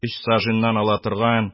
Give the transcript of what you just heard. Өч саженьнан ала торган,